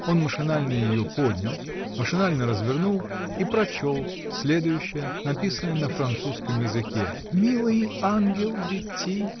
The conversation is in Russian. Он машинально ее поднял, машинально развернул и прочел следующее, написанное на французском языке: "Милый ангел Бетси!